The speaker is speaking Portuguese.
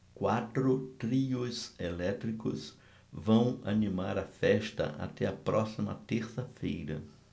quatro trios elétricos vão animar a festa até a próxima terça-feira